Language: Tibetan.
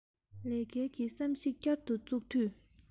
ལས སྐལ གྱི བསམ གཞིགས བསྐྱར དུ བཙུགས དུས